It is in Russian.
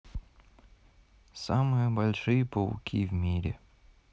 самые большие пауки в мире